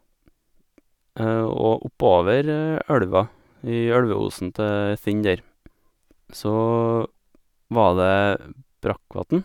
Og oppover elva, i elveosen til Tinn der, så var det brakkvatn.